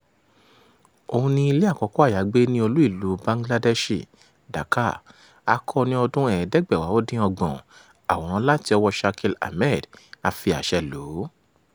Òun ni ilé àkọ́kọ́ àyàgbé ní olú-ìlú Bangladeshi, Dhaka, a kọ́ ọ ní ọdún-un 1870. Àwòrán láti ọwọ́ọ Shakil Ahmed, a fi àṣẹ lò ó.